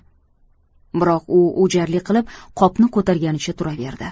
biroq u o'jarlik qilib qopni ko'targanicha turaverdi